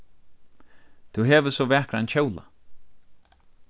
tú hevur so vakran kjóla